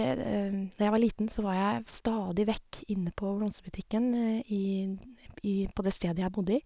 Når jeg var liten, så var jeg v stadig vekk inne på blomsterbutikken i dn eb i på det stedet jeg bodde i.